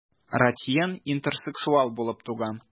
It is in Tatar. Ратьен интерсексуал булып туган.